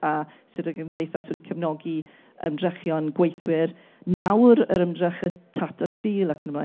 a sut yw gymdeithas wedi cefnogi ymdrechion gweithwyr nawr yr ymdrechau Tata Steel ac yn y blaen